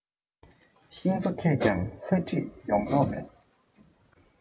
ཤིང བཟོ མཁས ཀྱང ལྷ བྲིས ཡོང མདོག མེད